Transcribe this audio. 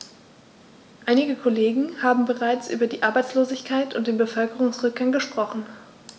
Einige Kollegen haben bereits über die Arbeitslosigkeit und den Bevölkerungsrückgang gesprochen.